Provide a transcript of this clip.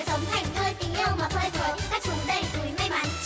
chú đầy túi may